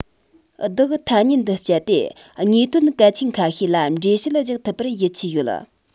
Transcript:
བདག ཐ སྙད འདི སྤྱད དེ དངོས དོན གལ ཆེན ཁ ཤས ལ འགྲེལ བཤད རྒྱག ཐུབ པར ཡིད ཆེས ཡོད